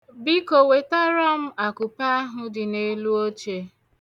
Biko, wetara m akupe ahụ dị n'elu oche.